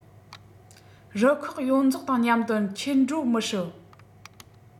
རུ ཁག ཡོངས རྫོགས དང མཉམ དུ འཁྱེར འགྲོ མི སྲིད